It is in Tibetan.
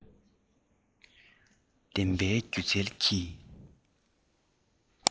ལྡན པའི སྒྱུ རྩལ གྱི